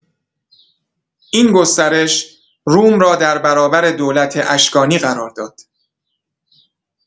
این گسترش، روم را در برابر دولت اشکانی قرار داد.